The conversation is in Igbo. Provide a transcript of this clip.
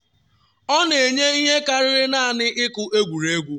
Ọ na-enye ihe karịrị naanị ịkụ egwuregwu.”